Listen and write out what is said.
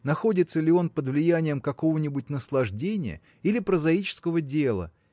находится ли он под влиянием какого-нибудь наслаждения или прозаического дела